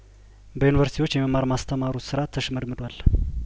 በዩኒቨርስቲዎች የመማር ማስተማር ስራ ተሽመድምዷል